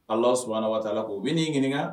Ala s sɔnnaumana waa la ko u bɛ n'i ɲininkaka